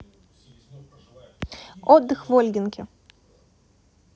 отдых в ольгинке